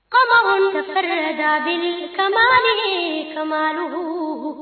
Kabakun bɛ da kadugu